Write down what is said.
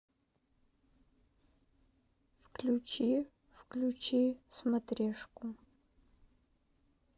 включи включи смотрешку